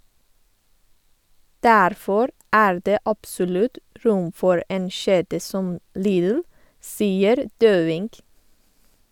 Derfor er det absolutt rom for en kjede som Lidl, sier Døving.